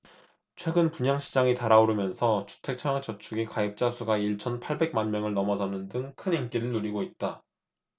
최근 분양시장이 달아오르면서 주택청약저축이 가입자수가 일 천 팔백 만명을 넘어서는 등 큰 인기를 누리고 있다